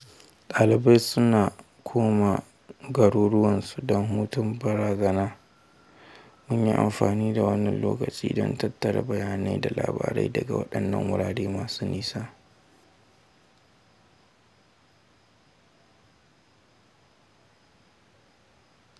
Ɗalibai suna koma garuruwansu don hutun bazara: mun yi amfani da wannan lokaci don tattara bayanai da labarai daga waɗannan wurare masu nisa.